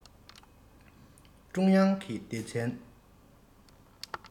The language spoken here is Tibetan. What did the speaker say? ཀྲུང དབྱང གི སྡེ ཚན